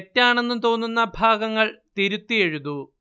തെറ്റാണെന്ന് തോന്നുന്ന ഭാഗങ്ങൾ തിരുത്തി എഴുതൂ